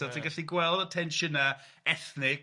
So ti'n gallu gweld y tensiyna' ethnig.